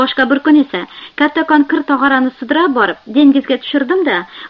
boshqa bir kun esa kattakon kir tog'orani sudrab borib dengizga tushirdim da